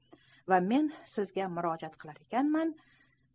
va men sizga murojaat qilar ekanman